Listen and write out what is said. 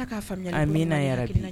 A'a a min yɛrɛ